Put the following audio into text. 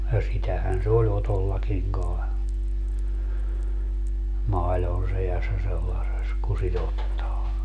ja sitähän se oli Otollakin kai maidon seassa sellaisessa kun sitä ottaa